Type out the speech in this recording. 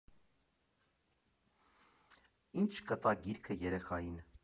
Ի՞նչ կտա գիրքը երեխային։